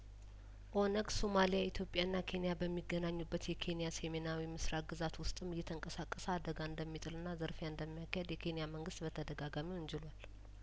ኦነግ ሶማሊያኢትዮጵያና ኬንያበሚ ገናኙበት የኬንያሴሜና ዊምስራቅ ግዛት ውስጥም እየተንቀሳቀሰ አደጋ እንደሚጥልና ዝርፍያእንደሚ ያካሂድ የኬንያመንግስት በተደጋጋሚ ወንጅሎ አል